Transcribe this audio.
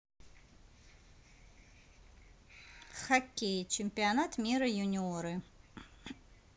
хоккей чемпионат мира юниоры